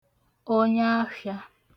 onyaafhịā